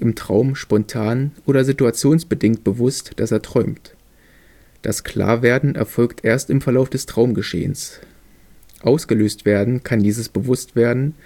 Traum spontan oder situationsbedingt bewußt, dass er träumt. Das Klar-Werden erfolgt erst im Verlauf des Traumgeschehens. Ausgelöst werden kann dieses Bewusstwerden